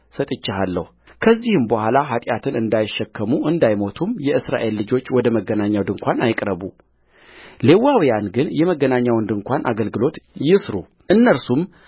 ሰጥቼአለሁከዚህም በኋላ ኃጢአትን እንዳይሸከሙ እንዳይሞቱም የእስራኤል ልጆች ወደ መገናኛው ድንኳን አይቅረቡሌዋውያን ግን የመገናኛውን ድንኳን አገልግሎት ይሥሩ እነርሱም